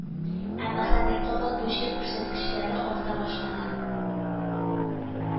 Әмма хәзер кабат бу чир күрсәткечләре арта башлаган